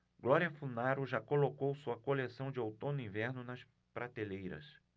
glória funaro já colocou sua coleção de outono-inverno nas prateleiras